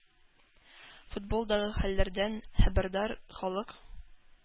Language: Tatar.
Футболдагы хәлләрдән хәбәрдар халык